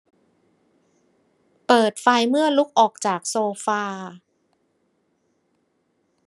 เปิดไฟเมื่อลุกออกจากโซฟา